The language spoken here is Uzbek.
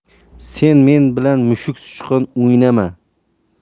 sen men bilan mushuk sichqon o'ynama